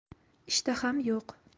ishtaham yo'q